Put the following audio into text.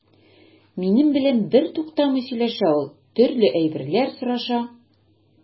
Минем белән бертуктамый сөйләшә ул, төрле әйберләр сораша.